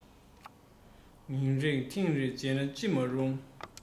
ཉིན རེར ཐེངས རེ མཇལ ན ཅི མ རུང